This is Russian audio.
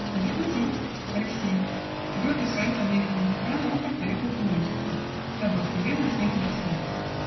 На другой день Алексей, твердый в своем намерении, рано утром поехал к Муромскому, дабы откровенно с ним объясниться.